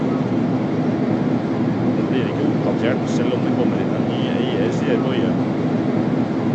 Den blir ikke oppdatert, selv om det kommer inn en ny eier, sier Boye.